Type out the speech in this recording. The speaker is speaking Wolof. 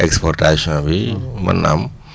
exportation bi mën naa am